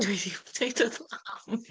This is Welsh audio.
Dweud i... deud wrth Mam!